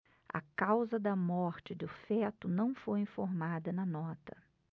a causa da morte do feto não foi informada na nota